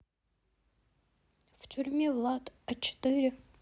в тюрьме влад а четыре